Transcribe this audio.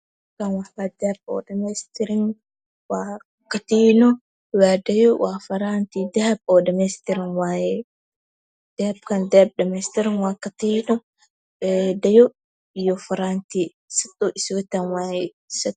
Waxani wa dahab dhamays tiran wa katino faranti dahab ah oi dhamays tiran waye dahabkan dahab dhamaystiran waye dhago iyo faranti sad ah oo iswato wayo